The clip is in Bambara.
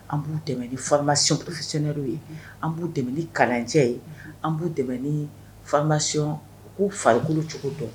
An b'u dɛmɛ ni formation professionnelle an b'u dɛmɛ ni kalanjɛ ye, an b'u ni formation u k'u farikolo cogo dɔn, unhun.